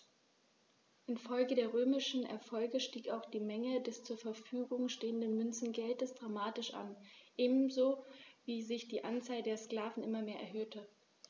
Infolge der römischen Erfolge stieg auch die Menge des zur Verfügung stehenden Münzgeldes dramatisch an, ebenso wie sich die Anzahl der Sklaven immer mehr erhöhte.